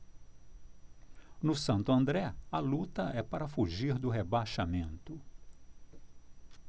no santo andré a luta é para fugir do rebaixamento